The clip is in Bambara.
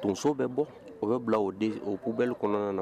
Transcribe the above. Tonso bɛ bɔ, o bɛ bila o di o poubelle kɔnɔna na.